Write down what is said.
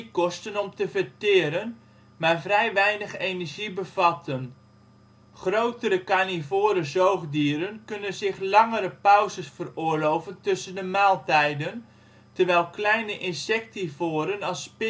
kosten om te verteren, maar vrij weinig energie bevatten. Grotere carnivore zoogdieren kunnen zich langere pauzes veroorloven tussen de maaltijden, terwijl kleine insectivoren als